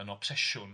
yn obsesiwn.